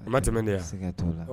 I ma jumɛn de